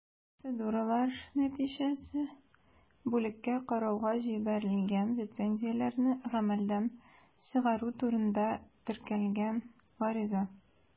Процедуралар нәтиҗәсе: бүлеккә карауга җибәрелгән лицензияләрне гамәлдән чыгару турында теркәлгән гариза.